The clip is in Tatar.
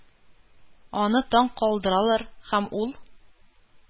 Аны таң калдыралар, һәм ул